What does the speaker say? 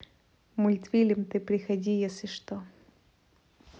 мультфильм ты приходи если что